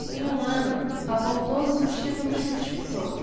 em um ano papou todos os títulos que disputou